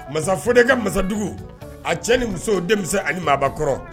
Masa Fode ka masadugu, a cɛ ni muso denmisɛn a ni maaba kɔrɔ.